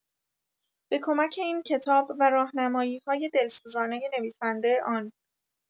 به کمک این کتاب و راهنمایی‌های دلسوزانۀ نویسنده آن